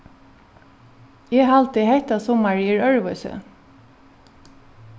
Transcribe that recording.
eg haldi hetta summarið er øðrvísi